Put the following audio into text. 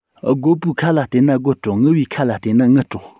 དགོད པའི ཁ ལ བལྟས ན དགོད བྲོ ངུ བའི ཁ ལ བལྟས ན ངུ བྲོ